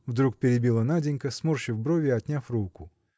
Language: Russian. – вдруг перебила Наденька, сморщив брови и отняв руку.